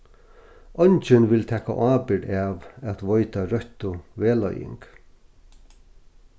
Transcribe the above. eingin vil taka ábyrgd av at veita røttu vegleiðing